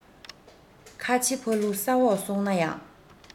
ཁ ཆེ ཕ ལུ ས འོག སོང ན ཡང